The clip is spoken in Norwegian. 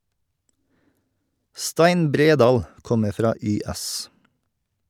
Stein Bredal kommer fra YS.